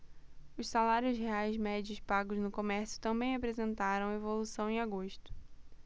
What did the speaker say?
os salários reais médios pagos no comércio também apresentaram evolução em agosto